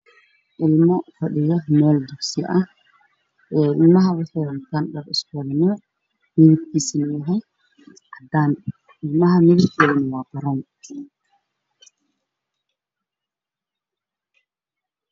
Ilmo fadhiyo mel dugsi ah il mahas waxay watan dhar isku wada mid ah waxay ku la bisan yihin cadan ilmaha midabkodu waa baron